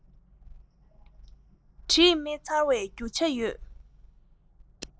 བྲིས མི ཚར བའི རྒྱུ ཆ ཡོད